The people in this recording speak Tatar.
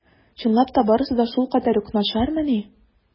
Чынлап та барысы да шулкадәр үк начармыни?